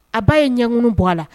A ba ye ɲɛkunnu bɔ a la